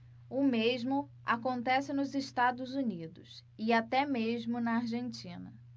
o mesmo acontece nos estados unidos e até mesmo na argentina